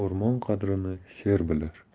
o'rmon qadrini sher bilar